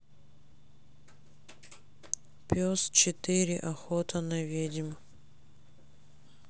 пес четыре охота на ведьм